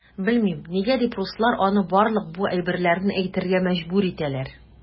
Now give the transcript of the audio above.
Белмим, нигә дип руслар аны барлык бу әйберләрне әйтергә мәҗбүр итәләр.